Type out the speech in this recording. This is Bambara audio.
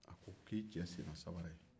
a ko k'i cɛ senna samara ye